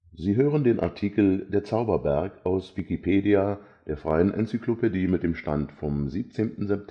Sie hören den Artikel Der Zauberberg, aus Wikipedia, der freien Enzyklopädie. Mit dem Stand vom Der